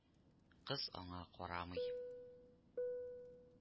Кыз аңа карамый…